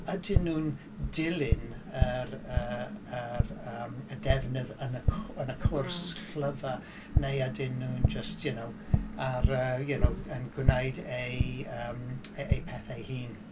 Ydyn nhw'n dilyn yr... yy yr... yym y defnydd yn y cw- yn y cwrs llyfr neu ydyn nhw'n jyst, you know, ar y... y'know yn gwneud ei yym ei pethau ei hun?